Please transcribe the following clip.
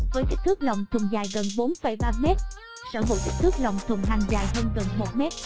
với kích thước lòng thùng dài gần m sở hữu kích thước lòng thùng hàng dài hơn gần mét